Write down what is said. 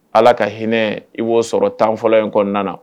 Allah ka hinɛ i b'o sɔrɔ tan fɔlɔ in kɔnɔna na